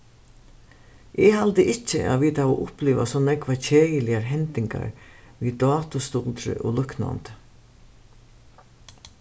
eg haldi ikki at vit hava upplivað so nógvar keðiligar hendingar við dátustuldri og líknandi